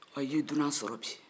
ɔ i ye dunan sɔrɔ bi